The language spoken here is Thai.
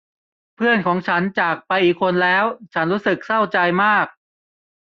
เพื่อนของฉันจากไปอีกคนแล้วฉันรู้สึกเศร้าใจมาก